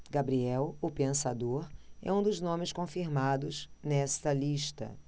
gabriel o pensador é um dos nomes confirmados nesta lista